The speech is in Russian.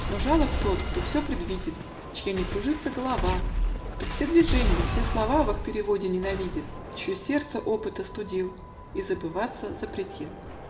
Но жалок тот, кто все предвидит, Чья не кружится голова, Кто все движенья, все слова В их переводе ненавидит, Чье сердце опыт остудил И забываться запретил!